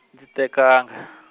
ndzi tekanga.